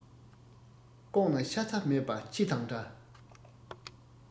ལྐོག ན ཤ ཚ མེད པ ཁྱི དང འདྲ